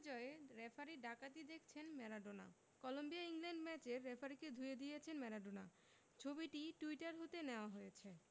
জয়ে রেফারির ডাকাতি দেখছেন ম্যারাডোনা কলম্বিয়া ইংল্যান্ড ম্যাচের রেফারিকে ধুয়ে দিয়েছেন ম্যারাডোনা ছবিটি টুইটার হতে নেওয়া হয়েছে